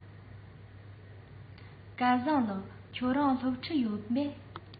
སྐལ བཟང ལགས ཁྱེད རང སློབ ཕྲུག ཡིན པས